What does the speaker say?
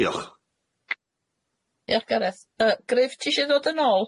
Diolch. Diolch Gareth. Yy Gruff tisie dod yn ôl?